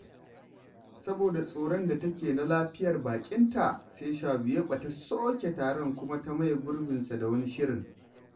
Saboda tsoron da take na lafiyar baƙinta, sai Shabuyeɓa ta soke taron kuma ta maye gurbinsa da wani shirin.